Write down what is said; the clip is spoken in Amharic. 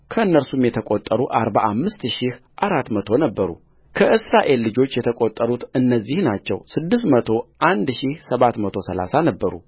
ከእነርሱም የተቈጠሩት አርባ አምስት ሺህ አራት መቶ ነበሩከእስራኤል ልጆች የተቈጠሩት እነዚህ ናቸው ስድስት መቶ አንድ ሺህ ሰባት መቶ ሠላሳ ነበሩ